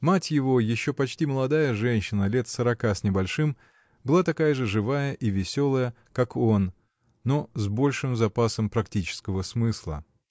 Мать его, еще почти молодая женщина, лет сорока с небольшим, была такая же живая и веселая, как он, но с большим запасом практического смысла.